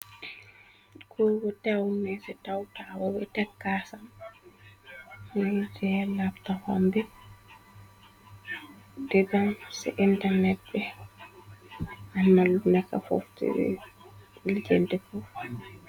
Kurgu tewne ci tawtawo be tekkasam nuje labtaxombi diram ci internet be annalu neka foftir lijente fo